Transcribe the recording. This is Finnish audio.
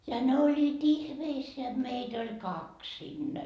ja ne olivat ihmeissään jotta meitä oli kaksi siinä